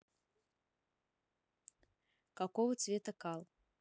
какого цвета кал